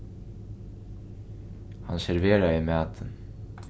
hann serveraði matin